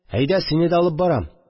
«әйдә, сине дә алып барам.